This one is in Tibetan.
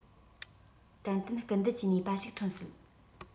ཏན ཏན སྐུལ འདེད ཀྱི ནུས པ ཞིག ཐོན སྲིད